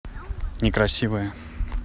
некрасивая